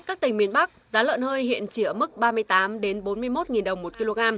các tỉnh miền bắc giá lợn hơi hiện chỉ ở mức ba mươi tám đến bốn mươi mốt nghìn đồng một ki lô gam